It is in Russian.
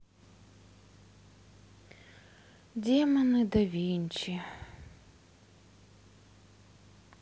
демоны да винчи